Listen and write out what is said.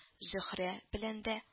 Зөһрә белән дә